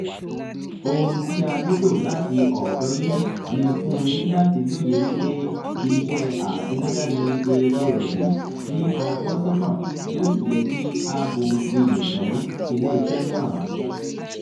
Ohun tí a nílò láti ọ̀dọ̀ọ yín ní fún un yín láti lóye wípé iṣẹ́ àtinudá ni epo rọ̀bì tí ọpọ́n sún kàn tí ó sì yẹ kí a bu ìyìn fún iléeṣẹ́ náà.